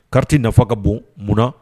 Carte nafa ka bon munna?